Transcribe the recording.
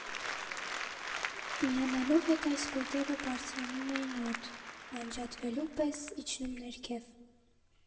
«Միանալու հետ այս կույտերը բարձրանում էին օդ, անջատվելուն պես՝ իջնում ներքև։